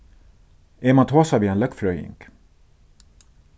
eg má tosa við ein løgfrøðing